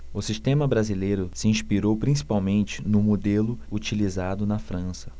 o sistema brasileiro se inspirou principalmente no modelo utilizado na frança